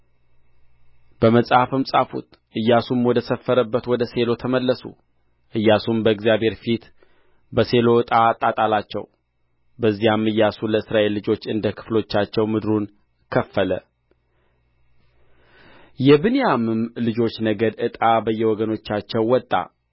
በመጽሐፍም ጻፉት ኢያሱም ወደ ሰፈረበት ወደ ሴሎ ተመለሱ ኢያሱም በእግዚአብሔር ፊት በሴሎ ዕጣ አጣጣላቸው በዚያም ኢያሱ ለእስራኤል ልጆች እንደ ክፍሎቻቸው ምድሩን ከፈለ የብንያምም ልጆች ነገድ ዕጣ በየወገኖቻቸው ወጣ